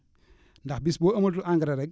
ndax bis boo amatul engrais rek